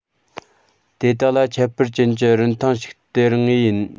དེ དག ལ ཁྱད པར ཅན གྱི རིན ཐང ཞིག སྟེར ངེས ཡིན